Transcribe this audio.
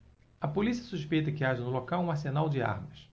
a polícia suspeita que haja no local um arsenal de armas